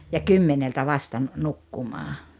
ja kymmeneltä vasta - nukkumaan